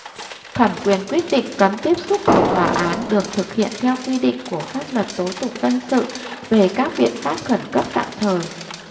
thẩm quyền quyết định cấm tiếp xúc của tòa án được thực hiện theo quy định của pháp luật tố tụng dân sự về các biện pháp khẩn cấp tạm thời